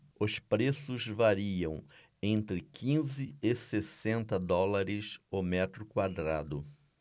os preços variam entre quinze e sessenta dólares o metro quadrado